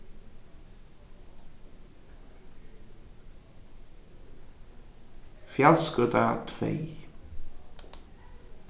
fjalsgøta tvey